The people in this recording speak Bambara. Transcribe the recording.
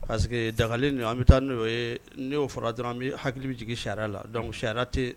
Parce que dagalen nun an bɛ taa n'o yee n'o fɔra dɔrɔn an be hakili bi jigin charia la donc charia te